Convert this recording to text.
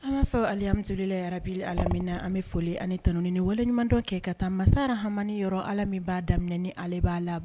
An m'a fɛ amislililarabi amina na an bɛ foli ani tanun ni waleɲuman dɔ kɛ ka taa masara hamani yɔrɔ ala min b'a daminɛ ni ale b'a la